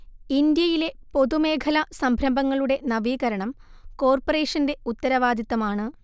ഇന്ത്യയിലെ പൊതുമേഖലാ സംരംഭങ്ങളുടെ നവീകരണം കോർപ്പറേഷന്റെ ഉത്തരവാദിത്തമാണ്